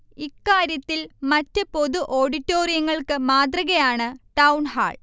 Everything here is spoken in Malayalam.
ഇക്കാര്യത്തിൽ മറ്റു പൊതു ഓഡിറ്റോറിയങ്ങൾക്ക് മാതൃകയാണ് ടൗൺഹാൾ